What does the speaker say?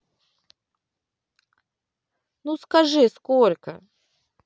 ну скажи сколько